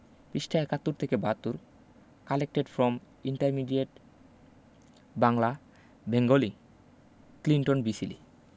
,পৃ ৭১ থেকে ৭২ collected from intermediate Bangla Bengali Clinton B Seely